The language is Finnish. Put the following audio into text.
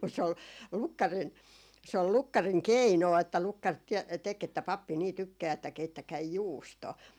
mutta se oli lukkarin se oli lukkarin keino että lukkari - teki että pappi niin tykkää että keittäkää juustoa